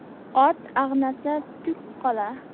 ot ag'nasa tuk qolar